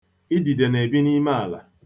Idide na-ebi n'ime ala.